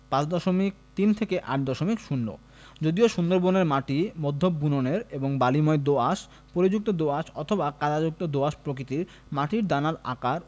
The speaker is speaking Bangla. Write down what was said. ৫ দশমিক ৩ থেকে ৮ দশমিক ০ যদিও সুন্দরবনের মাটি মধ্যম বুননের এবং বালিময় দোআঁশ পলিযুক্ত দোআঁশ অথবা কাদাযুক্ত দোআঁশ প্রকৃতির মাটির দানার আকার